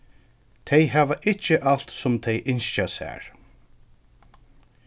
tey hava ikki alt sum tey ynskja sær